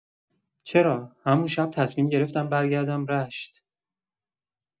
چرا، همون شب تصمیم گرفتم برگردم رشت.